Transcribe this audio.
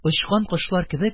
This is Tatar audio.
Очкан кошлар кебек,